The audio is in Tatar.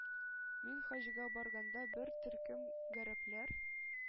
— мин хаҗга барганда, бер төркем гарәпләр,